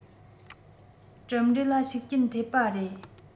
གྲུབ འབྲས ལ ཤུགས རྐྱེན ཐེབས པ རེད